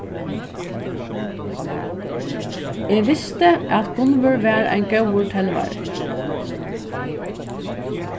eg visti at gunnvør var ein góður telvari